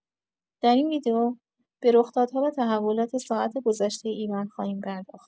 در این ویدئو به رخدادها و تحولات ساعات گذشتۀ ایران خواهیم پرداخت.